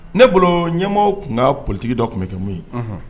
Ne boloo ɲɛmɔɔw tun ka politique dɔ tun bɛ kɛ mun ye unhun